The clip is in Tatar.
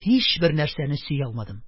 Һичбер нәрсәне сөя алмадым.